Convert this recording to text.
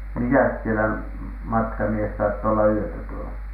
missäs siellä matkamies saattoi olla yötä tuolla